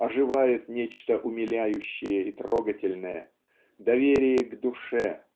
оживает нечто умиляющее и трогательное доверие к душе